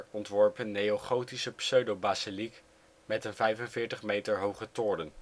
ontworpen neogotische pseudobasiliek met een 45 meter hoge toren